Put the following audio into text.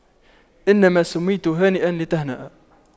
إنما سُمِّيتَ هانئاً لتهنأ